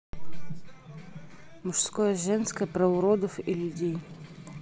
мужское женское про уродов и людей